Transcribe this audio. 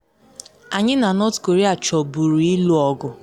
“Anyị na North Korea chọburu ịlụ ọgụ.